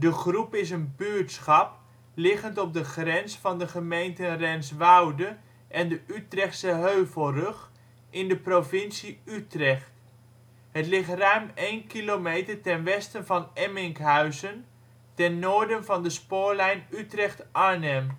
Groep is een buurtschap liggend op de grens van de gemeenten Renswoude en Utrechtse Heuvelrug, in de provincie Utrecht. Het ligt ruim 1 kilometer ten westen van Emminkhuizen, ten noorden van de spoorlijn Utrecht - Arnhem